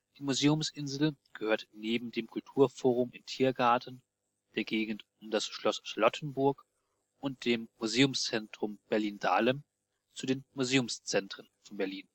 Museumsinsel gehört neben dem Kulturforum in Tiergarten, der Gegend um das Schloss Charlottenburg und dem Museumszentrum Berlin-Dahlem zu den Museumszentren von Berlin